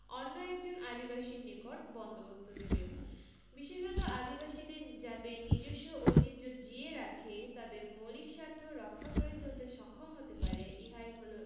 অন্য একজন আদিবাসীর নিকট বন্দোবস্ত দেবে বিশেষত আদিবাসীগণ যাতে নিজস্ব ঐতিহ্য জিইয়ে রেখে তাদের মৌলিক স্বার্থ রক্ষা করে চলতে সক্ষম হতে পারে ইহাই হল